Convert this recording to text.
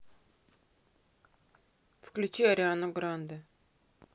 включи ариану гранде